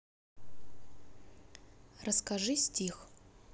расскажи стих